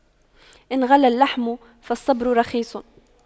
إن غلا اللحم فالصبر رخيص